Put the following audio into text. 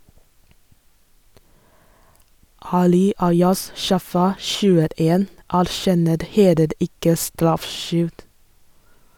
Ali Ayaz Shafa (21) erkjenner heller ikke straffskyld.